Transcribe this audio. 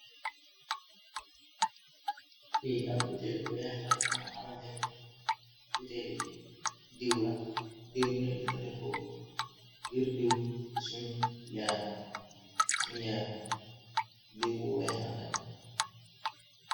Lii ab butel bu weex la, binga xamanteni buteli diiw la, diiw bunyo jëfande ko ngir diw suny yaram, suñ yaram, diiw bu weex la nak.